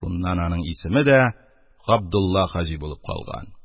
Шуннан аның исеме дә Габдулла хаҗи булып калган.